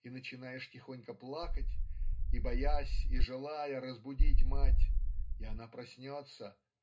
и начнешь тихонько плакать и боясь и желая разбудить мать и она проснется